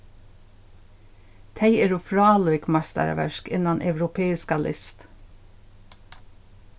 tey eru frálík meistaraverk innan europeiska list